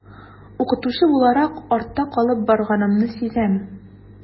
Укытучы буларак артта калып барганымны сизәм.